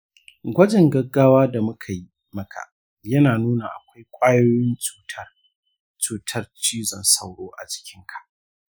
gwajin gaggawa da muka yi maka ya nuna akwai kwayoyin cutar cutar cizon sauro a jikinka.